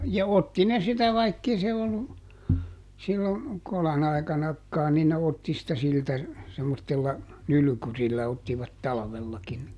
ja otti ne sitä vaikka ei se ollut silloin kolon aikanakaan niin ne otti sitä siltä semmoisella nylkyrillä ottivat talvellakin ni